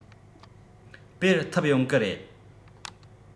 སྤེལ ཐུབ ཡོང གི རེད